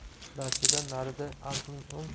darchadan narida arkning o'n